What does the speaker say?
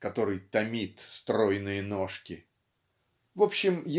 который томит стройные ножки . В общем